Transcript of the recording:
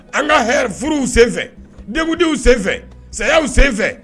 An ka hɛf furuw senfɛ denkudiw senfɛ sayaw senfɛ